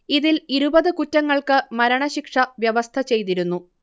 ഇതിൽ ഇരുപത് കുറ്റങ്ങൾക്ക് മരണശിക്ഷ വ്യവസ്ഥ ചെയ്തിരുന്നു